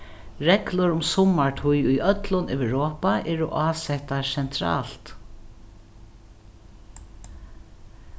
reglur um summartíð í øllum europa eru ásettar sentralt